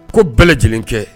Ko bɛɛ lajɛlen kɛ